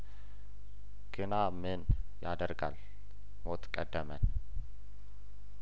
ግናምን ያደርጋል ሞት ቀደመን